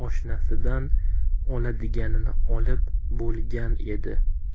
oshnasidan oladiganini olib bo'lgan edi